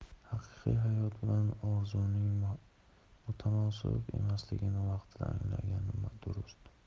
haqiqiy hayot bilan orzuning mutanosib emasligini vaqtida anglagani durust